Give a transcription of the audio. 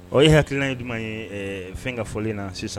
Ɔ ye hakilikilina ye jumɛn ye fɛn ka fɔlen na sisan